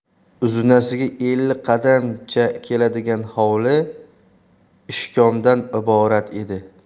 uzunasiga ellik qadamcha keladigan hovli ishkomdan iborat edi